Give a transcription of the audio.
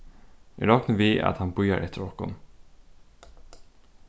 eg rokni við at hann bíðar eftir okkum